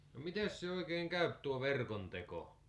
no mitenkäs se oikein käy tuo verkonteko